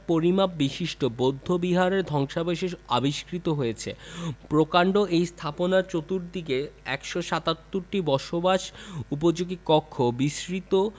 পরিমাপ বিশিষ্ট বৌদ্ধ বিহারের ধ্বংসাবশেষ আবিষ্কৃত হয়েছে প্রকান্ড এই স্থাপনার চতুর্দিকের ১৭৭টি বসবাস উপযোগী কক্ষ বিস্তৃত